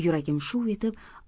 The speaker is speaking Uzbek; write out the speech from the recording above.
yuragim shuv etib